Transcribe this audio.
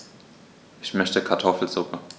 Ich möchte Kartoffelsuppe.